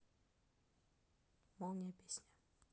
молния песня